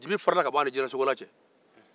dibi farala ka bɔ a ni jinɛsokala cɛ